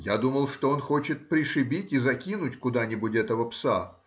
Я думал, что он хочет пришибить и закинуть куда-нибудь этого пса